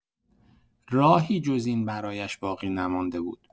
راهی جز این برایش باقی نمانده بود.